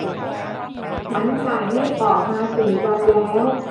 ฉันถ่ายไม่ออกมาสี่วันแล้ว